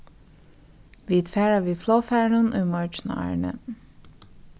vit fara við flogfarinum í morgin árini